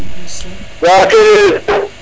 wa kene